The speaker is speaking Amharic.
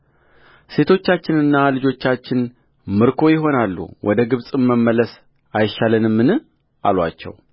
ሴቶቻችንና ልጆቻችን ምርኮ ይሆናሉ ወደ ግብፅ መመለስ አይሻለንምን አሉአቸው